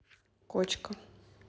кочка